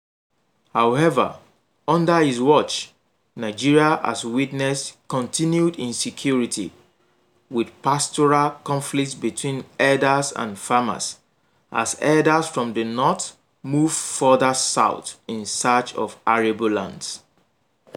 However, under his watch, Nigeria has witnessed continued insecurity with pastoral conflicts between herders and farmers as herders from the north move further south in search of arable lands.